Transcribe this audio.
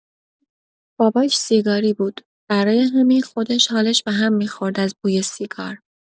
باباش سیگاری بود، برا همین خودش حالش به هم می‌خورد از بوی سیگار!